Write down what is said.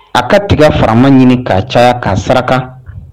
A ka tiga fara ɲini k' caya k aa saraka